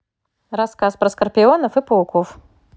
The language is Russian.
рассказ про скорпионов и пауков